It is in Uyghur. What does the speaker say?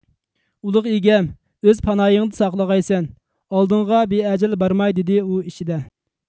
ئۇلۇغ ئىگەم ئۆز پاناھىڭدا ساقلىغايسەن ئالدىڭغا بىئەجەل بارماي دىدى ئۇ ئىچىدە